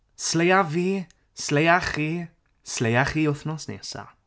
Sleia fi sleia chi sleia chi wthnos nesa.